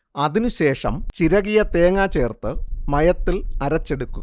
അതിനുശേഷം ചിരകിയ തേങ്ങ ചേർത്ത് മയത്തിൽ അരച്ചെടുക്കുക